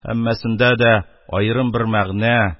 Һәммәсендә дә аерым бер мәгънә,